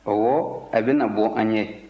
ɔwɔ a bɛ na bɔ an ye